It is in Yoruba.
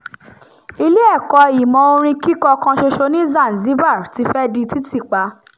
Ilé ẹ̀kọ́ ìmọ̀ orin kíkọ kan ṣoṣo ní Zanzibar ti fẹ́ di títì pa